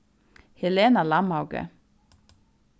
helena lamhauge